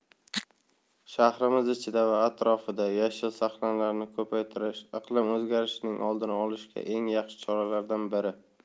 shahrimiz ichida va atrofida yashil sahnlarni ko'paytirish iqlim o'zgarishining oldini olishda eng yaxshi choralardan biri